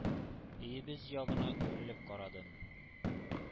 Өебез ягына үрелеп карадым.